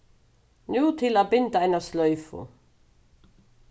nú til at binda eina sloyfu